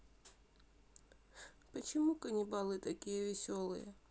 почему каннибалы такие веселые